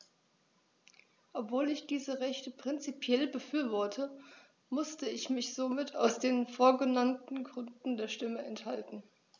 Obwohl ich diese Rechte prinzipiell befürworte, musste ich mich somit aus den vorgenannten Gründen der Stimme enthalten.